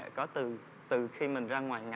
có từ từ khi mình ra ngoài ngành